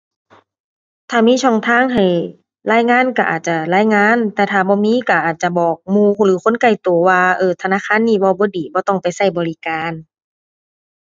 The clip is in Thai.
ถ้ามีช่องทางให้รายงานก็อาจจะรายงาน แต่ถ้าบ่มีก็อาจจะบอกหมู่หรือคนใกล้ก็ว่า เอ้อ ธนาคารนี้เว้าบ่ดี บ่ต้องไปก็บริการ